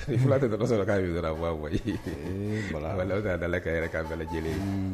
Ni fila tɛ taara sɔrɔ k'a yɛrɛ baba ala'a dala ka k'a dala lajɛlen ye